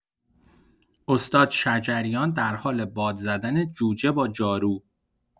استاد شجریان در حال باد زدن جوجه با جارو!